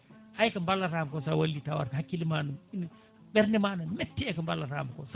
hayko ballatamo ko sa walli tawat hakkille ma ɓerdema ne metti eko ballaytamo ko